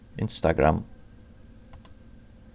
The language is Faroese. instagram